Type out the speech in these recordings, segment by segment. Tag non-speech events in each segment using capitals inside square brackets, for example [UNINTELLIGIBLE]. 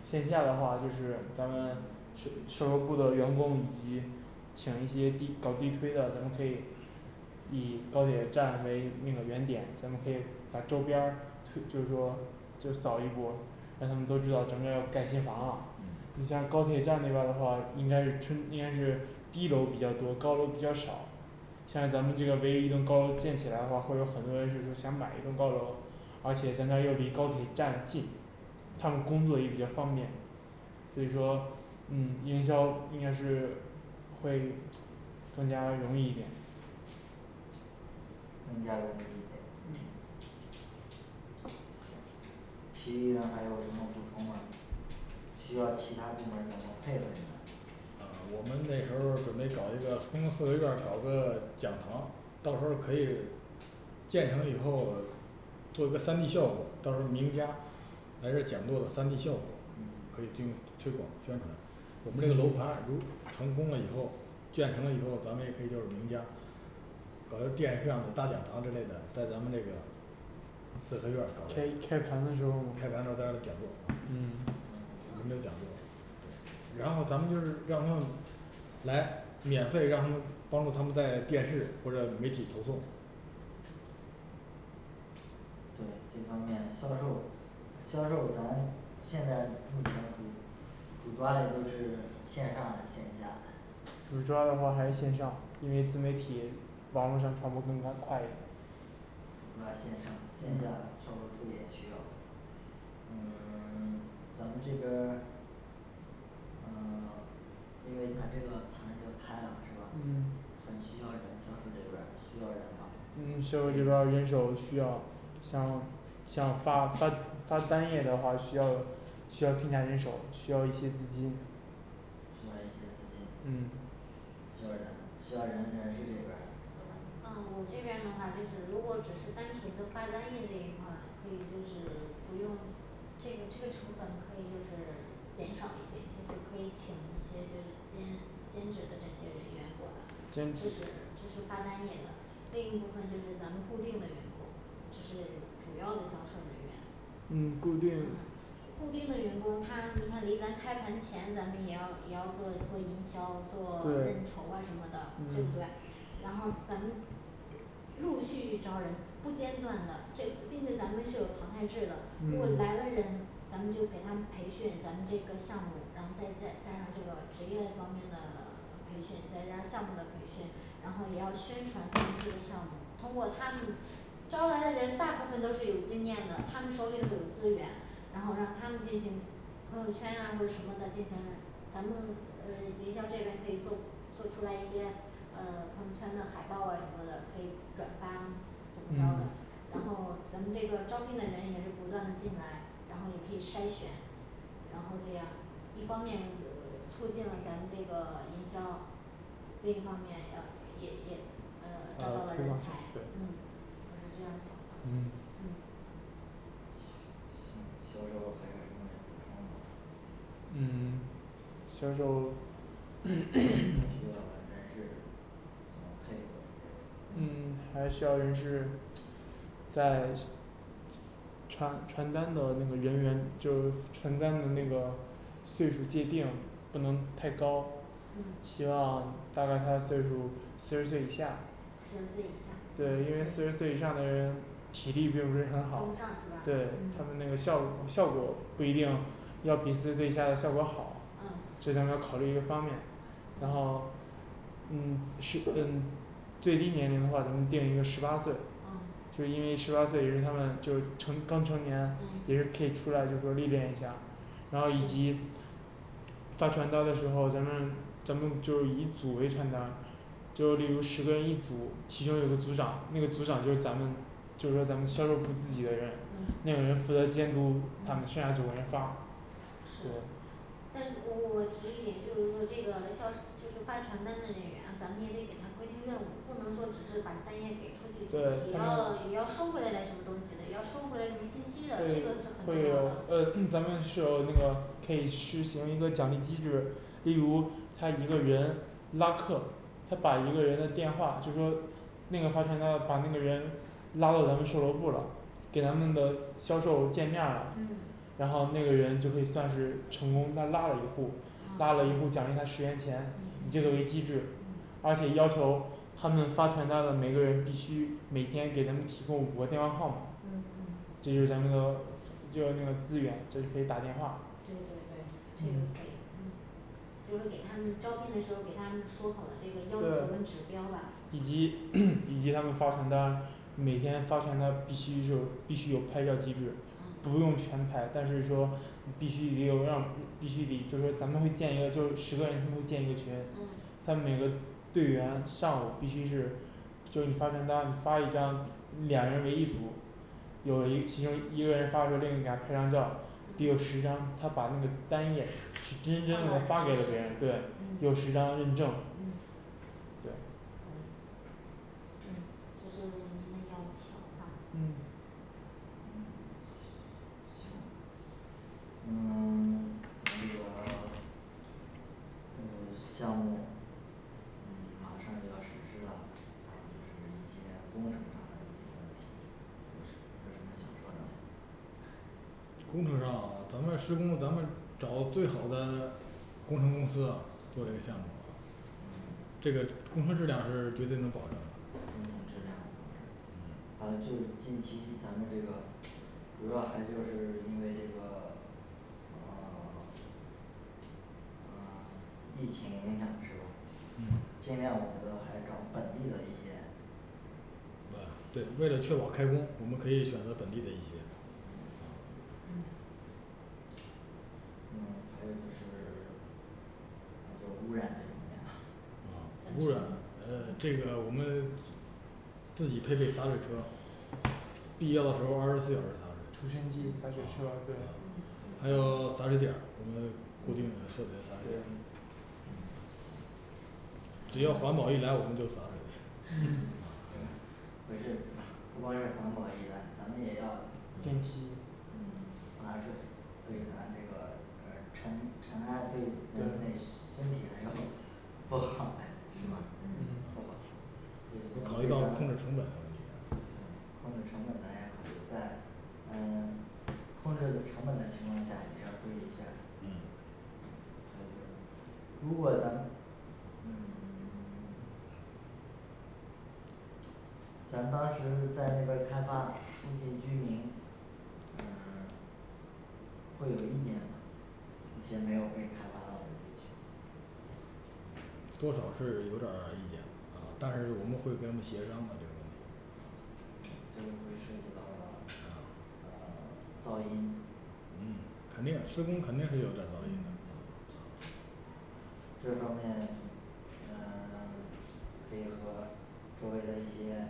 嗯线下的话就是咱们是 [UNINTELLIGIBLE] 售楼部的员工以及请一些地搞地推的，咱们可以以高铁站为那个圆点，咱们可以把周边儿是就是说就扫一波儿，让他们都知道咱们这儿要盖新房了嗯你像高铁站那边儿的话，应该是春应该是低楼比较多，高楼比较少像咱们这个唯一一栋高楼建起来的话，会有很多人就是想买一栋高楼而且咱们这又离高铁站近他们工作也比较方便，所以说嗯营销应该是会更加容易一点更加容易一点嗯其余的还有什么补充的吗需要其他部门儿怎么配合你们啊我们那时候儿准备搞一个从四合院儿搞个讲堂，到时候儿可以建成以后做个三D效果，到时候儿名家来这儿讲座的三D效果，可以嗯进行推广宣传我们这个楼盘如成功了以后，建成了以后，咱们也可以叫名家搞一个电视上的大讲堂之类的，在咱们这个四合院儿搞开个，开盘的时候，开盘的时候在这儿讲座啊，嗯我们这讲座然后咱们就是让他们来免费让他们帮助他们在电视或者媒体投送对这方面销售销售咱现在目前主主抓嘞都是线上嘞线下嘞，主抓的话还是线上，因为自媒体网络上传播更加快主抓线上线下售楼部也需要嗯 [SILENCE] 咱们这边儿嗯 [SILENCE] 因为咱这个盘要开了是吧嗯很需要人，销售这边儿需要人吗嗯销售这边儿人手需要想想发发发单页的话，需要需要添加人手，需要一些资金需要一些资金嗯需要人需要人人事这边儿啊我这边的话就是如果只是单纯的发单页这一块儿可以就是不用这个这个成本可以就是减少一点，就是可以请一些就是兼兼职的那些人员过来就兼职是这是发单页的另一部分就是咱们固定的员工只是主要的销售人员嗯固嗯定固定的员工，他他离咱开盘前咱们也要也要做做营销，做认对筹啊什么的，对不对嗯？然后咱们陆续招人不间断的，这并且咱们是有淘汰制的，如果来了嗯人，咱们就给他培训咱们这个项目，然后再加加上这个职业方面的培训，再加项目的培训，然后也要宣传这这个项目，通过他们招来的人大部分都是有经验的，他们手里头有资源然后让他们这些朋友圈啊或者什么的进行咱们呃营销这边可以做做出来一些呃朋友圈的海报啊什么的可以转发怎么着嗯的然后咱们这个招聘的人也是不断的进来，然后也可以筛选然后这样一方面呃促进了咱们这个营销另一方面要也也呃招呃到了推人吗才。对嗯我是这样想的嗯嗯嗯行销售还有什么补充的吗嗯 [SILENCE] 销售还需要人事 [CROSSTALK] 配合嗯还需要人事在 [SILENCE] 传传单的那个人名员就是传单的那个岁数界定不能太高嗯希望大概他的岁数儿四十岁以下四十岁对以下，因为四十岁以上的人体力并不是很跟好不，上是吧对他们嗯那个效效果不一定要比四十岁以下的效果好。这嗯都是要考虑一个方面。然后嗯是嗯最低年龄的话，咱们定一个十八岁，就是嗯因为十八岁也是他们就是成刚成年也嗯是可以出来就是说历练一下，然后以及发传单儿的时候咱们咱们就是以组为传达就例如十个人一组，其中有个组长，那个组长就是咱们就留咱们销售部自己的人嗯那个人负责监督，他们剩嗯下九个人发是但是我我提一点就是说这个销就是发传单的人员，咱们也得给他规定任务，不能说只是把单页给出去也对要嗯也要收回来点什么东西的要收回来什么信息的这会个是，很会重要有的呃咱们是有那个可以实行一个奖励机制例如他一个人拉客，他把一个人的电话就说那个发传单的把那个人拉到咱们售楼部儿了，给咱们的销售见面了嗯然后那个人就可以算是成功，他拉了一户儿拉了哦一户儿奖励他十元钱，以这个为机制而且要求他们发传单儿的每个人必须每天给咱们提供五个电话号码嗯嗯这就是咱们的就要用的资源就可以打电话对对对这个可以嗯嗯就说给他们招聘的时候给他们说好了这个要求对跟指标吧以及 [CROSSTALK] 以及他们发传单每天发传单儿必须有必须有拍照儿机制，嗯不用全拍，但是说必须有让必须得就是说咱们会建一个就十个人他会建一个群他每个队员上午必须是所以你发传单发一张，两人为一组有了一其中一个人发出另一给他，拍张照得有十张他把那个单页是真正发了的发给了别人，对。嗯有十张认证嗯好对嘞嗯这就您的要求哈嗯嗯嗯 [SILENCE] 咱这个 [SILENCE] 呃 [SILENCE] 项目嗯，马上就要实施了，然后就是一些工程上的一些问题，不是还有什么想说的吗工程上咱们施工咱们找最好的工程公司做这个项目嗯这个工程质量是绝对能保证的工程质量保证哦呃这个，近期咱们这个主要还就是因为这个哦 [SILENCE] 呃 [SILENCE] 疫情影响是吧嗯尽量我觉得还是找本地的一些对，为了确保开工我们可以选择本地的一些嗯好嗯嗯还有就是那就污染这方面吧哦污染呃这个我们自己配备洒水车，必要的时候儿嗯二十四小时洒水哦哦除尘机洒水车，对嗯还嗯有洒水点儿，我们固定的设备洒水嗯好只要环保一来我们就洒水嗯呃不是不光是环保一来咱们也要定期嗯洒水对咱这个呃尘尘埃对咱嘞对身体还有不好嘞是嗯吧 [NOISE] 嗯嗯哦不考虑到控制成本的问题对控制成本咱也考虑在嗯 [SILENCE] 控制成本的情况下也要注意一下嗯所以就是如果咱们嗯 [SILENCE] 咱当时在那边儿开发附近居民呃会有意见吗？以前没有被开发到的地区多少是有点儿意见，呃但是我们会跟他们协商的这个问题。嗯就是说涉及到了呃 [SILENCE] 噪音嗯肯定施工肯定是有点儿噪音的嗯这方面嗯 [SILENCE] 可以和周围的一些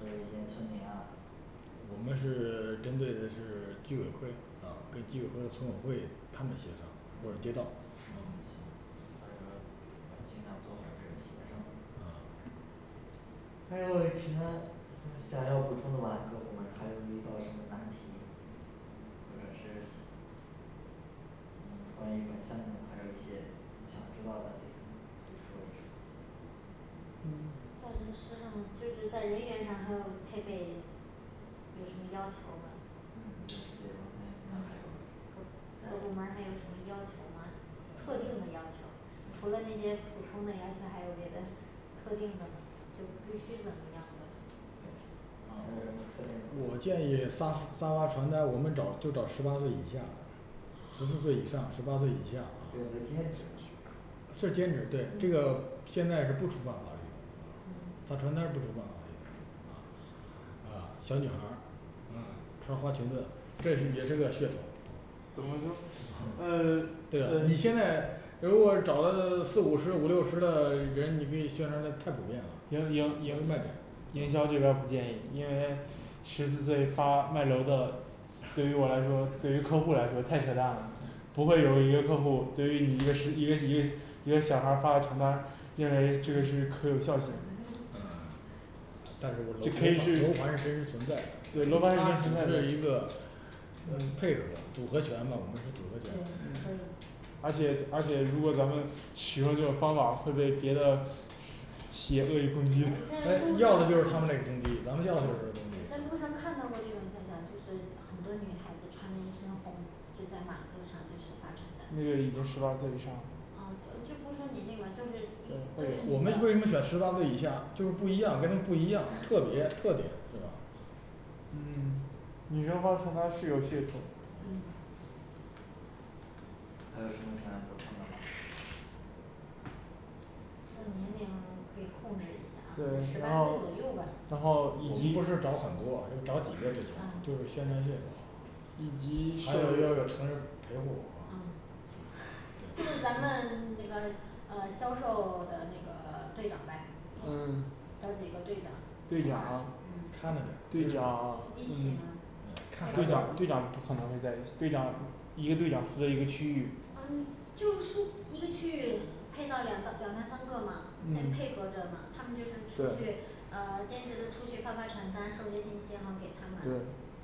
就是一些村民啊我们是 [SILENCE] 针对的是居委会跟居委会村委会他们协商或者街道嗯行到时候儿尽量做好这个协商嗯还有其它想要补充的吗？各部门儿还有没有遇到什么难题或者是嗯关于摆善还有一些想知道的点，可以说一说嗯在公司上就是在人员上还要配备有什么要求吗嗯这方面咱还有各部门儿还有什么要求吗特定的要求。除了那对些普通的要求，还有别的特定的就必须怎么样的对还有什么特定我的吗建议发发发传单，我们找就找十八岁以下的十四岁以上十八岁以下啊对就兼职呢是兼职对这个现在是不触犯法律的对发传单儿不触犯法律的啊小女孩儿啊套上花裙子这也是这是个噱头儿怎么说呃对呀你现在如果找了四五十五六十的人，你可以宣传的太普遍了，没有卖点也要也要也要卖点营销这边儿不建议，因为十四岁发卖楼的，对于我来说对于客户来说太扯淡了不会有一个客户对于你一个十一个一个小孩儿发的传单，认为这个是可有效性的但是我楼只可以是把楼盘儿是真实存在的，对楼盘儿是他只是一个 [CROSSTALK] 嗯配合组合拳嘛，我们是组合拳对 [CROSSTALK] 可以而且而且如果咱们使用这种方法会被别的企业恶意攻击诶要的就是他们那个攻击咱们要的就在路上在是攻击路上看到过这种现象，就是很多女孩子穿着一身红就在马路上就是发传单那，个已经十八岁以上了呃就不说年龄嘛就是我们为什么选十八岁以下就是不一样，跟他们不一样，特别特点是吧嗯女生发传单是有噱头嗯还有什么想要补充的吗这个年龄可以控制一下啊对在十八然岁后左右吧然后我以及们不是找很多啊就找几个就行了，就嗯是宣传性以及还有要有成人陪护嗯就对咱们那个呃销售的那个队长呗嗯找几个队长队长看着点儿队长一起嗯嘛看孩队子长队长不可能会在一起队长一个队长负责一个区域嗯就是一个区域配到两到两三个嘛再嗯配合着嘛他们就是出去对呃兼职的出去发发传单收集信息好给他们对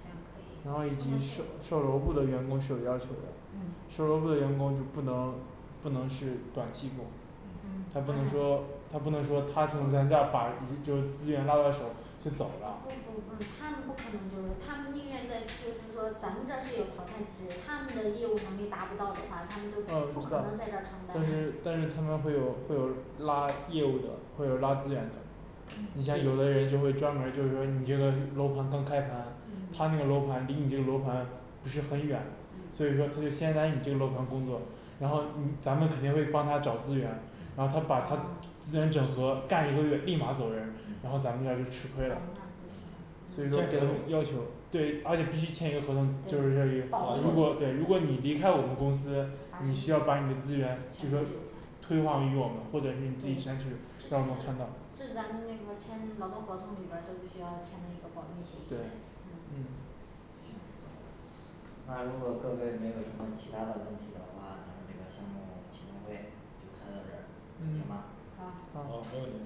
行可以不然后能以及售被售楼部的员工是有要求的，嗯售楼部的员工就不能不能是短期工嗯嗯，他当不然能说他不能说他从咱这儿把就资源拉到手就走了不不不他们不可能就是说他们宁愿在就是说咱们这儿是有淘汰机制，他们的业务能力达不到的话，他们都哦不知可能在道这儿长干但是但是他们会有会有拉业务的，会有拉资源的。你嗯像有的人就会专门儿就是说你这个楼盘刚开盘，嗯他那个楼盘离你这个楼盘不是很远所嗯以说他就先来你这个楼盘工作，然后嗯咱们肯定会帮他找资源然后他把他噢资源整合干一个月立马走人，然后咱们这儿就吃哦那不亏了行所签以合说同要求对，而且必须签一个合同，就是对这意思，保对，如果密对如果你离开我们公司，把你需手要里把的你的资源就全是部说留下退还予我们，或者是你自己删对去这就是让我看到这是咱们那个签劳动合同里边儿都必须要签的一个保密协对议嗯嗯。那如果各位没有什么其他的问题的话，咱们这个项目启动会就开到这儿。行嗯吗好没好问题。